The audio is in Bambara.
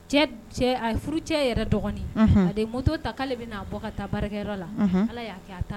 Cɛ cɛ a furucɛ yɛrɛ dɔgɔnin a ye moto ta k'ale bɛna bɔ ka taa baarayɔrɔ la. Ala y'a kɛ a t'a